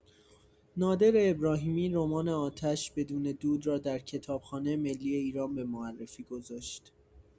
نادر ابراهیمی رمان آتش بدون دود را در کتابخانه ملی ایران به معرفی گذاشت.